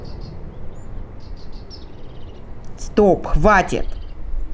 стоп хватит